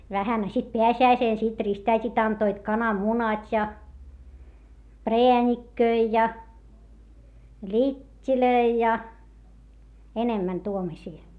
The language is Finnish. vähän a sitten pääsiäisenä sitten ristiäidit antoivat kananmunat ja präänikköjä ja littejä ja enemmän tuommoisia